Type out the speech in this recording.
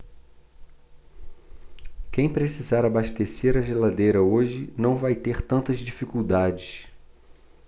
quem precisar abastecer a geladeira hoje não vai ter tantas dificuldades